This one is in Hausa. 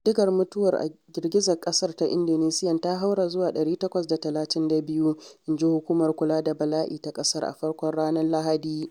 Ƙididdigar mutuwar a girgizar ƙasar ta Indonesiyan ta haura zuwa 832, inji hukumar kula da bala’i ta ƙasar a farkon ranar Lahadi.